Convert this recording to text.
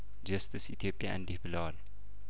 ጀስትስ ኢትዮጵያ እንዲህ ብለዋል